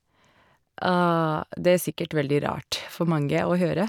Det er sikkert veldig rart for mange å høre.